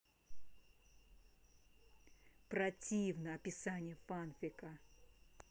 противно описание фанфика